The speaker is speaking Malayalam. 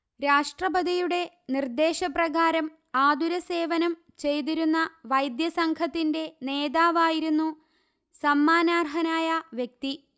രാഷ്ട്രപതിയുടെ നിർദേശ പ്രകാരം ആതുര സേവനം ചെയ്തിരുന്ന വൈദ്യ സംഘത്തിന്റെ നേതാവായിരുന്നു സമ്മാനാർഹനായ വ്യക്തി